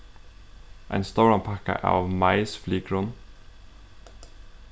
ein stóran pakka av maisflykrum